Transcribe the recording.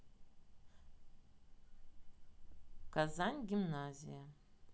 казань гимназия